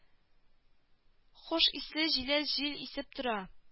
Хуш исле җиләс җил исеп тора